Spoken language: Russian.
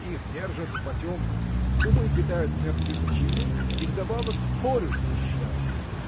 — Их держат в потемках, умы питают мертвечиной и вдобавок порют нещадно